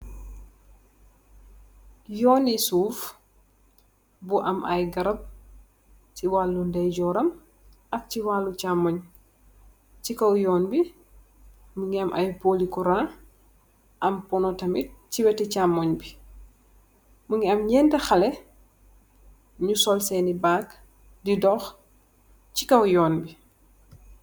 Yuneh suff bu am garap si waluh ndeye jorom ak chamm moi si cham moi ye yun bi munge am pole munge nyenti khaleh nyunge sul sen bag